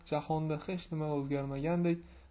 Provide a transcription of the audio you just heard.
jahonda hech nima o'zgarmagandek